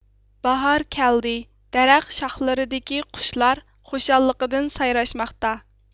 باھار كەلدى دەرەخ شاخلىرىدىكى قۇشلار خۇشاللىقىدىن سايراشماقتا